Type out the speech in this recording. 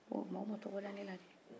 o tum'aw ma tɔgɔ da ne la kɛ